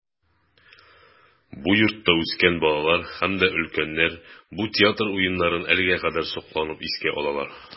Бу йортта үскән балалар һәм дә өлкәннәр бу театр уеннарын әлегә кадәр сокланып искә алалар.